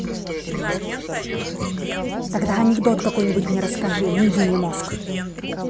тогда анекдот какой нибудь расскажи и не еби мне мозг